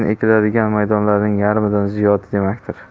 maydonlarning yarmidan ziyodi demakdir